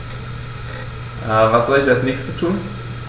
Was soll ich als Nächstes tun?